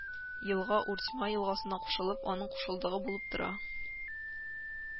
Елга Уртьма елгасына кушылып, аның кушылдыгы булып тора